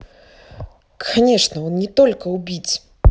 конечно он не только убить